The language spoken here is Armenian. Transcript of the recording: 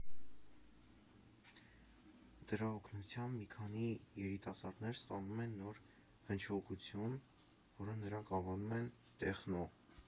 Դրա օգնությամբ մի քանի երիտասարդներ ստանում են նոր հնչողություն, որը նրանք անվանում են «տեխնո»։